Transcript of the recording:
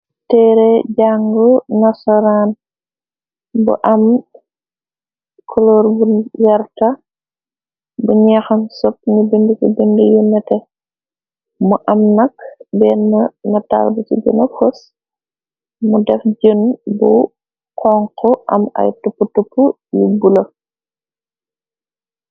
Teere jàngu nasoraan bu am color bu yarta bu ñeexan sop ni bind ci bind yu nété. Mu am nakk benn na tarl ci bina kos. Mu def jën bu kongxo am ay tupp tup yu bula.